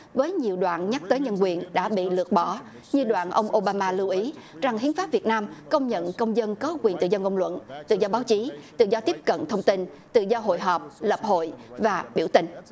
với nhiều đoạn nhắc tới nhân quyền đã bị lược bỏ như đoạn ông ô ba ma lưu ý rằng hiến pháp việt nam công nhận công dân có quyền tự do ngôn luận tự do báo chí tự do tiếp cận thông tin tự do hội họp lập hội và biểu tình